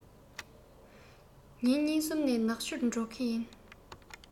ཉིན གཉིས གསུམ ནས ནག ཆུར འགྲོ གི ཡིན